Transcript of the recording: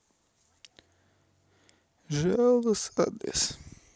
jealous адрес